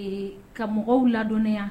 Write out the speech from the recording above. Ka mɔgɔw ladɔnnen yan